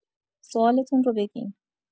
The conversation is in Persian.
سوالتون رو بگین